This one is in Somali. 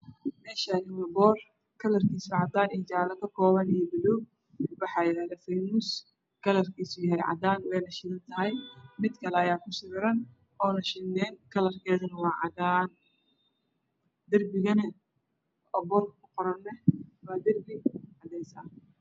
Meeshani waa boor kalarkiisu cadaan. Iyo jaale kakooban iyo bulug waxaa yaalo faysnuus kalarkiisu yahay cadaan midkale ayaa ku Sudhan kalarkeduna waa cadaan darbigan akoonka kuqorana waa darbi cadayai ah